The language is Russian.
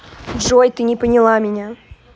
джой ты не поняла меня